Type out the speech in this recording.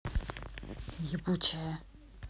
ебучая